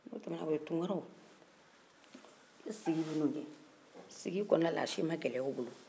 o tuma na tunkaraw u ye sigi minnuw kɛ sigi kɔnɔna na a si ma gɛlɛya u bolo